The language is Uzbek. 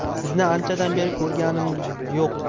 sizni anchadan beri ko'rganim yo'q